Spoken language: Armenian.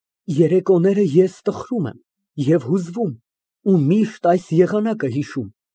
Երեկոները ես տխրում եմ ու հուզվում և միշտ այս եղանակը հիշում։